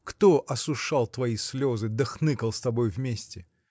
Кто осушал твои слезы да хныкал с тобой вместе?